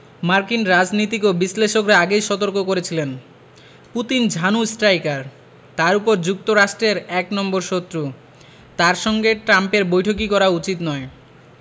মার্কিন রাজনীতিক ও বিশ্লেষকেরা আগেই সতর্ক করেছিলেন পুতিন ঝানু স্ট্রাইকার তার ওপর যুক্তরাষ্টের এক নম্বর শত্রু তাঁর সঙ্গে ট্রাম্পের বৈঠকই করা উচিত নয়